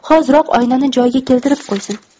hoziroq oynani joyiga keltirib qo'ysin